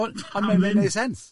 Ond ddim ond mae'n wneud sense.